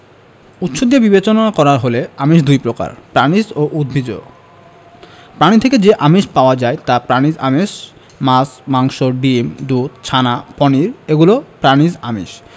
উৎস দিয়ে বিবেচনা করা হলে আমিষ দুই প্রকার প্রাণিজ ও উদ্ভিজ্জ প্রাণী থেকে যে আমিষ পাওয়া যায় তা প্রাণিজ আমিষ মাছ মাংস ডিম দুধ ছানা পনির এগুলো প্রাণিজ আমিষ